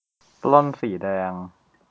ปล้นสีแดง